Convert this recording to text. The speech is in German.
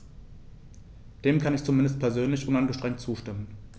Dem kann ich zumindest persönlich uneingeschränkt zustimmen.